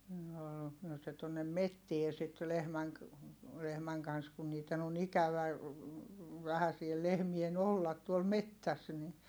ne oli no se tuonne metsään sitten lehmän - lehmän kanssa kun niiden on ikävä vähän siellä lehmien olla tuolla metsässä niin